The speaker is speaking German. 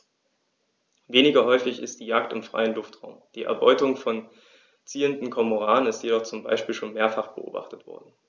Weniger häufig ist die Jagd im freien Luftraum; die Erbeutung von ziehenden Kormoranen ist jedoch zum Beispiel schon mehrfach beobachtet worden.